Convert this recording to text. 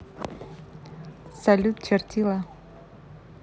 салют чертила